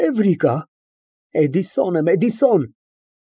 Էվրիկա, Էդիսոն եմ, էդիսոն։